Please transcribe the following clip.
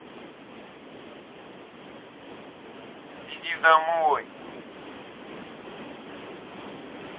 иди домой